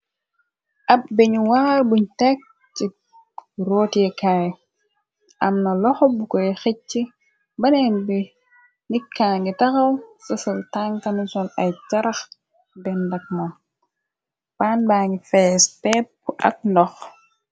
Ab biñu waar buñ tekk ci rooteekaay amna loxo bukoy xec c bëneen bi nikka ngi taxaw sesel tankanasoon ay carax bendak moon pannbaa ngi fees teppu ak ndox.